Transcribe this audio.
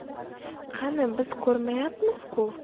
qani biz ko'rmayapmiz ku